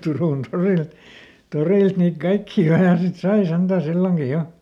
Turun torilla torilta niitä kaikkia aina sitten sai sentään silloinkin jo